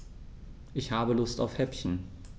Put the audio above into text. Ich habe Lust auf Häppchen.